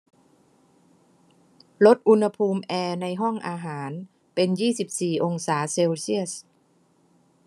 ลดอุณหภูมิแอร์ในห้องอาหารเป็นยี่สิบสี่องศาเซลเซียส